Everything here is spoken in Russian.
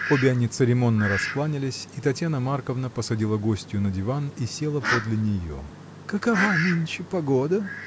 Обе они церемонно раскланялись, и Татьяна Марковна посадила гостью на диван и села подле нее. — Какова нынче погода?